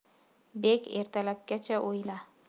bek ertalabgacha o'yla